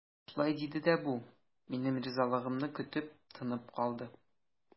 Шулай диде дә бу, минем ризалыгымны көтеп, тынып калды.